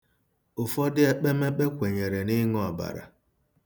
Ụfọdụ ekpemekpe kwenyere n'ịṅụ ọbara.